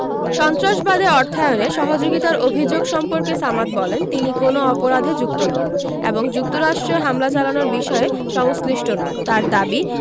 সন্ত্রাসবাদে অর্থায়নে সহযোগিতার অভিযোগ সম্পর্কে সামাদ বলেন তিনি কোনো অপরাধে যুক্ত নন এবং যুক্তরাষ্ট্রে হামলা চালানোর বিষয়ে সংশ্লিষ্ট নন তাঁর দাবি